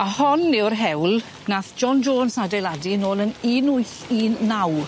A hon yw'r hewl nath John Jones adeiladu nôl yn un wyth un naw.